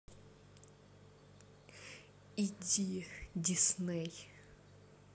иди дисней